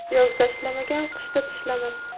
yozda ishlamagan qishda tishlamas